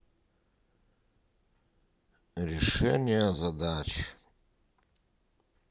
решение задач